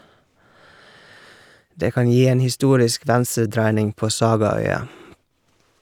Det kan gi en historisk venstredreining på sagaøya.